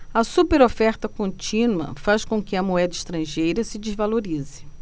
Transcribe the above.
a superoferta contínua faz com que a moeda estrangeira se desvalorize